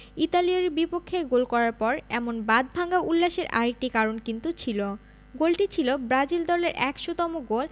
ইতালির বিপক্ষে গোল করার পর এমন বাঁধভাঙা উল্লাসের আরেকটি কারণ কিন্তু ছিল গোলটি ছিল ব্রাজিল দলের ১০০তম গোল